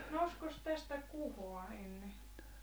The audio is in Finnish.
nousikos tästä kuhaa ennen